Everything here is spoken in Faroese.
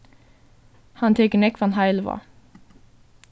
hann tekur nógvan heilivág